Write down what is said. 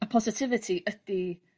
A positivity ydy